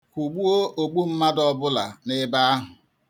Kwụgbuo ogbu mmadụ ọbụla n'ebe ahụ.